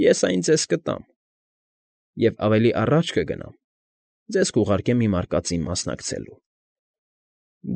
Ես այն ձեզ կտամ։ Եվ ավելի առաջ կգնամ, ձեզ կուղարկեմ իմ արկածին մասնակցելու։